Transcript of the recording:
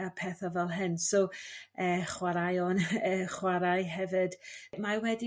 y petha' fel hyn so ee chwaraeon ee chwarae hefyd mae wedi